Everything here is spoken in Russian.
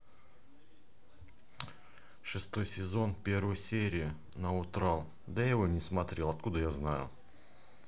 шестой сезон первая серия